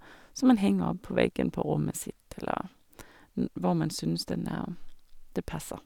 Som man henger opp på veggen på rommet sitt eller n hvor man synes den er det passer.